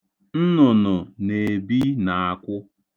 Nnụnụ na-ebi n'akwụ.